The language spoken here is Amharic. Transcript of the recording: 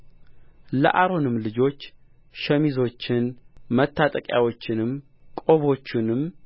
ለአሮንም ልጆች ሸሚዞችን መታጠቂያዎችንም ቆቦችንም